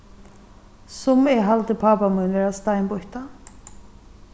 sum eg haldi pápa mín vera steinbýttan